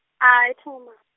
-ai thi ngo ma-.